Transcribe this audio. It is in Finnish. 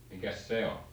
mikäs se on